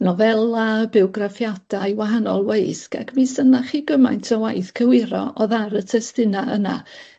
Nofela bywgraffiada i wahanol weisg ac mi synach chi gymaint o waith cywiro o'dd ar y testuna yna